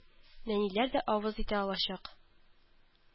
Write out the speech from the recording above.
Нәниләр дә авыз итә алачак